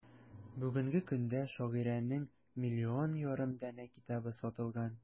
Бүгенге көндә шагыйрәнең 1,5 миллион данә китабы сатылган.